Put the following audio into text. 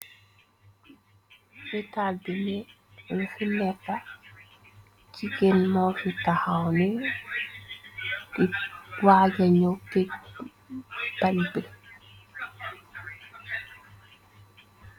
Nitaal bi lu fi neka, jigeen mo fi taxaw ne di waajañyow kik bal bi.